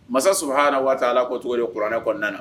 Masa Subahaanahu wataala ko cogo di kuranɛ kɔnɔna na